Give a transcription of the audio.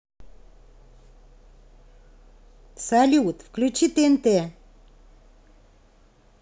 салют включи тнт